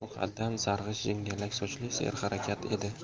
muqaddam sarg'ish jingalak sochli serharakat edi